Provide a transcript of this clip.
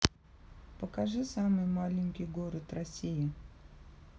покажи самый маленький город россии